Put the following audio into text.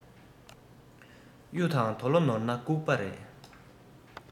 གཡུ དང དོ ལོ ནོར ན ལྐུགས པ རེད